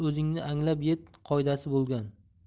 o'zingni anglab yet qoidasi bo'lgan